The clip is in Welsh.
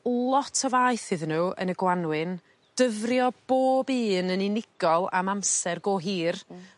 lot o faith iddyn n'w yn y Gwanwyn dyfrio bob un yn unigol am amser go hir. Hmm.